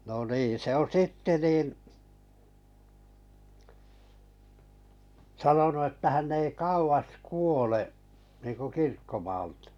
no niin se on sitten niin sanonut että hän ei kauas kuole niin kuin kirkkomaalta